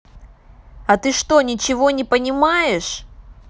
а ты что ничего не понимаешь